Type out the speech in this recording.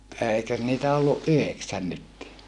eikös niitä ollut yhdeksän nytkin